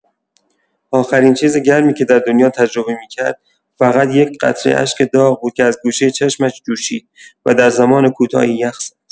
آخرین چیز گرمی که در دنیا تجربه می‌کرد، فقط یک قطره اشک داغ بود که از گوشه چشمش جوشید و در زمان کوتاهی یخ زد.